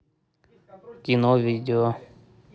кино видео